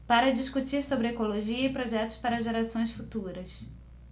para discutir sobre ecologia e projetos para gerações futuras